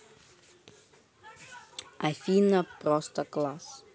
афина просто класс